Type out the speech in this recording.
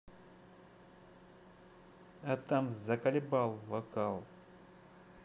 а там заколебал вокал